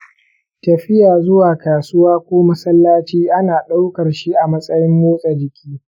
tafiya zuwa kasuwa ko masallaci ana ɗaukar shi a matsayin motsa jiki.